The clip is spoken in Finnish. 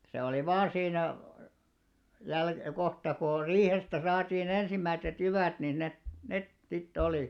se oli vain siinä - kohta kun on riihestä saatiin ensimmäiset jyvät niin ne ne sitten oli